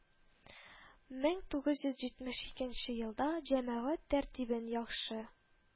Мең тугыз йөз җитмеш икенче елда җәмәгать тәртибен яхшы